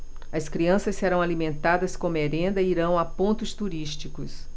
as crianças serão alimentadas com merenda e irão a pontos turísticos